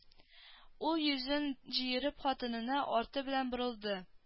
Ул йөзен җыерып хатынына арты белән борылды